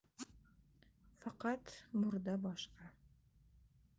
faqat murda boshqa